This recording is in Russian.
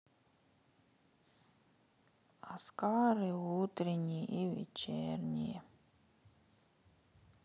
азкары утренние и вечерние